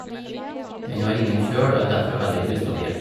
Den har ingen kjøl og er derfor veldig ustabil.